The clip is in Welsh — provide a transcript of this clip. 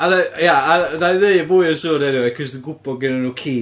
A wedyn, ia, a wna i wneud mwy o sŵn eniwe, cos dwi'n gwybod gynna nhw ci!